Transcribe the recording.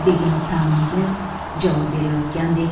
degan ta'namga javob berayotgandek